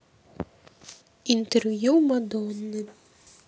интервью мадонны